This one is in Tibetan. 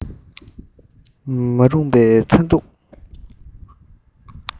མ རུངས པའི ཚ གདུག